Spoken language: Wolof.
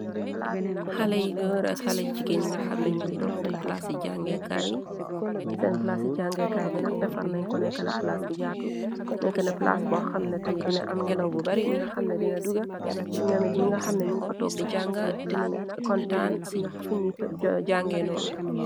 Xale yu goor ak xale jigeen ni nga xamna ñungi tok sen plasi jàngekaay sen plasi jàngekaay bi nax defar neñ ko neka na plaas bo yaatu neka na plaas bo xamne tamit dina am ngelaw bu bari bi nga xamne dina duga tex ñyoo mit mi nga xamne ñunn fa tog di jànga dina kon taan ci fuñuy jànge nonu.